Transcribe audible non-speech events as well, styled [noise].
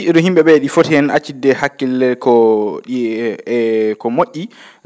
He?o him?e ?ee ?i fori heen accidde hakkille ko ?i e [hesitation] ko mo??i